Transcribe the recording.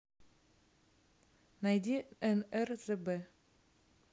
найди нрзб